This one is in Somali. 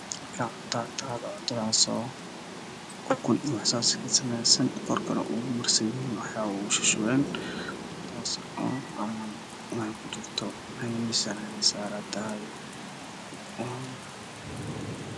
Waa cunto karsan waxa ay ku jirtaa weerar waxa inaga sameysantahay doorasho iyo rooti la isku kiriyey